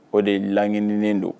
O de ye laɲininen don.